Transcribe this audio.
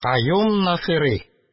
Каюм Насыйри